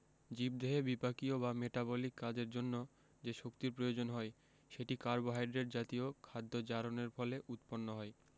জীবদেহে বিপাকীয় বা মেটাবলিক কাজের জন্য যে শক্তির প্রয়োজন হয় সেটি কার্বোহাইড্রেট জাতীয় খাদ্য জারণের ফলে উৎপন্ন হয়